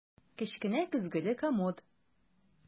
Кечкенә көзгеле комод.